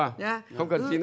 vâng không cần di nê